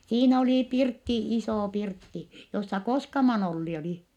siinä oli pirtti iso pirtti jossa Koskaman Olli oli